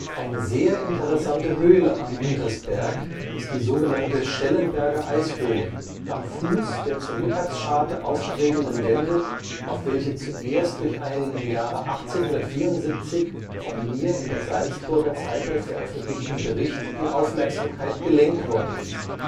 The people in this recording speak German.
Eine sehr interessante Höhle am Untersberg ist die sogen. Schellenberger Eishöhle, am Fuß der zur Mittagsscharte aufstrebenden Wände, auf welche zuerst durch einen im Jahre 1874 von mir in der ‚ Salzburger Zeitung ‘veröffentlichten Bericht die Aufmerksamkeit gelenkt worden ist